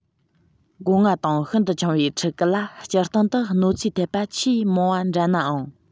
སྒོ ང དང ཤིན ཏུ ཆུང བའི ཕྲུ གུ ལ སྤྱིར བཏང དུ གནོད འཚེ ཐེབས པ ཆེས མང བ འདྲ ནའང